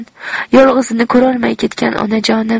yolg'izini ko'rolmay ketgan onajonim